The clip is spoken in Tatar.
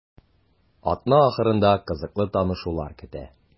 Атна ахырында кызыклы танышулар көтә.